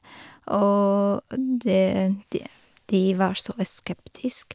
Og det de de var så skeptisk.